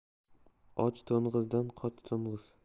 och to'ng'izdan qoch to'ng'iz